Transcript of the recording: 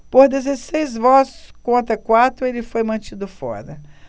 por dezesseis votos contra quatro ele foi mantido fora